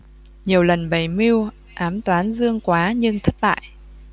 nhiều lần bày mưu ám toán dương quá nhưng thất bại